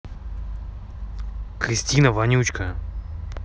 кристина вонючка